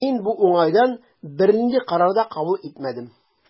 Мин бу уңайдан бернинди карар да кабул итмәдем.